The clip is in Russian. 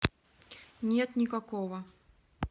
нет никакого